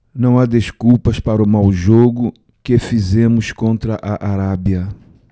não há desculpas para o mau jogo que fizemos contra a arábia